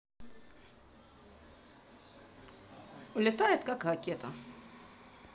улетает как ракета